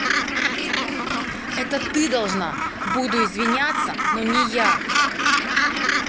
это ты должна буду извиняться но не я